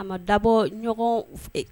A ma dabɔ ɲɔgɔn fɛ yen